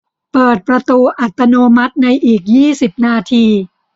เปิดประตูอัตโนมัติในอีกยี่สิบนาที